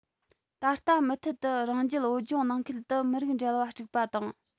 ད ལྟ མུ མཐུད དུ རང རྒྱལ བོད ལྗོངས ནང ཁུལ དུ མི རིགས འབྲེལ བ དཀྲུགས པ དང